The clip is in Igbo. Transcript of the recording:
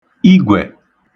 igwẹ̀